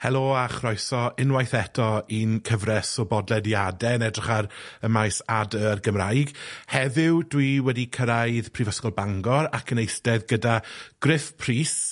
Helo a chroeso, unwaith eto, i'n cyfres o bodlediade yn edrych ar y maes A Dy Y Gymraeg. Heddiw, dwi wedi cyrraedd Prifysgol Bangor ac yn eistedd gyda Gruff Prys.